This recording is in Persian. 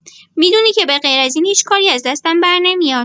می‌دونی که به غیراز این هیچ کاری از دستم برنمیاد.